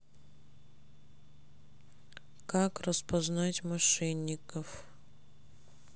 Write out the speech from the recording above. как распознать мошенников